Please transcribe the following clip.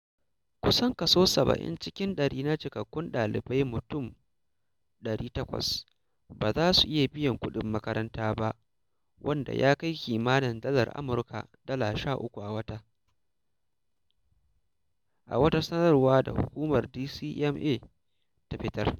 Kusan kaso 70 cikin ɗari na cikakkun ɗalibai mutum 800 ba za su iya biyan kuɗin makaranta ba, wanda ya kai kimanin dalar Amurka $13 a wata, a wata sanarwa da hukumar DCMA ta fitar.